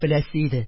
Беләсе иде,